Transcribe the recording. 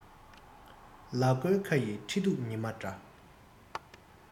ལ མགོའི ཁ ཡི ཁྲི གདུགས ཉི མ འདྲ